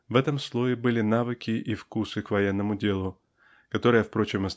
В этом слое были навыки и вкусы к военному делу которое впрочем